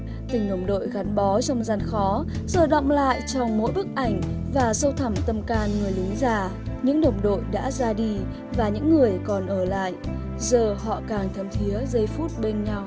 tình đồng đội gắn bó trong gian khó giờ đọng lại trong mỗi bức ảnh và sâu thẳm tâm can người lính già những đồng đội đã ra đi và những người còn ở lại giờ họ càng thấm thía giây phút bên nhau